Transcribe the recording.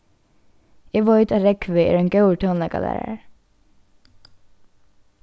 eg veit at rógvi er ein góður tónleikalærari